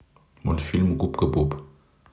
мультфильм губка боб